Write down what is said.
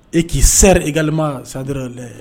Et qui sert également, c'est à dire, des